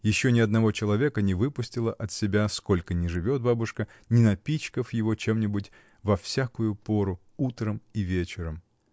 Еще ни одного человека не выпустила от себя, сколько ни живет бабушка, не напичкав его чем-нибудь во всякую пору, утром и вечером.